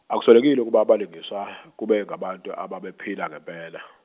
akuswelekile ukuba abalingiswa, kube ngabantu ababephila ngempela.